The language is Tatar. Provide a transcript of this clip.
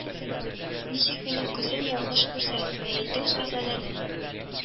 Ничек минем күзем Ялгыш күрсәт мәетен шаһзадәнең